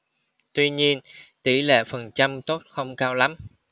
tuy nhiên tỉ lệ phần trăm tốt không cao lắm